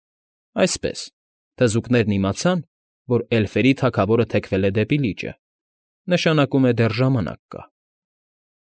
Այսպես թզուկներն իմացան, որ էլֆերի թագավորը թեքվել է դեպի լիճը, նշանակում է, դեռ ժամանակ կա։